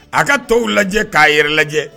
A ka tɔw lajɛ k'a yɛrɛ lajɛ